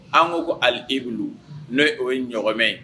An ko ko ali e bolo n'o ye o ye ɲmɛ ye